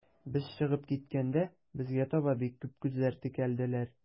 Без чыгып киткәндә, безгә таба бик күп күзләр текәлделәр.